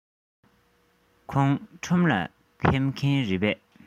ཁོང ཁྲོམ ལ ཕེབས མཁན རེད པས